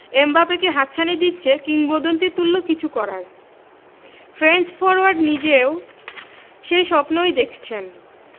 এমবাপ্পেকে হাতছানি দিচ্ছে কিংবদন্তিতুল্য কিছু করার ফ্রেঞ্চ ফরোয়ার্ড নিজেও সেই স্বপ্নই দেখছেন